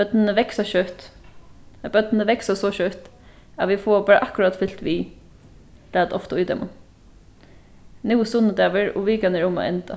børnini vaksa skjótt børnini vaksa so skjótt at vit fáa bara akkurát fylgt við læt ofta í teimum nú er sunnudagur og vikan er um at enda